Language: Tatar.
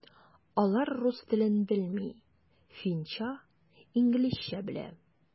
Алар рус телен белми, финча, инглизчә белә.